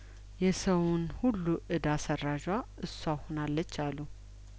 የሰዉን ሁሉ እዳ ሰራዧ እሷው ሆናለች አሉ